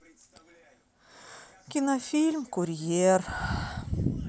кинофильм курьер